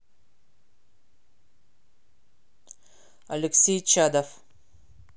алексей чадов